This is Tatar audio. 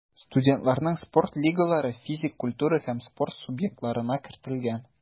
Студентларның спорт лигалары физик культура һәм спорт субъектларына кертелгән.